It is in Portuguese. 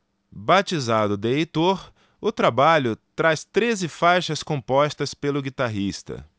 batizado de heitor o trabalho traz treze faixas compostas pelo guitarrista